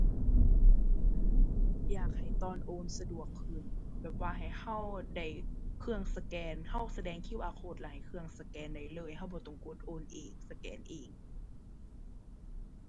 อยากให้ตอนโอนสะดวกขึ้น แบบว่าให้เราได้เครื่องสแกน เราแสดง QR code แล้วให้เครื่องสแกนได้เลย เราบ่ต้องกดโอนเอง สแกนเอง